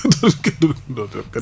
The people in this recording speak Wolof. dootoo ko